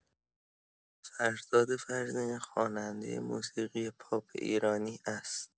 فرزاد فرزین خواننده موسیقی پاپ ایرانی است.